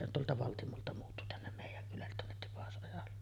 se on tuolta Valtimolta muuttui tänne meidän kylälle tuonne Tipasojalle